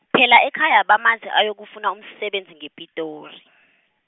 phela ekhaya bamazi ayokufuna umsebenzi ngePitori.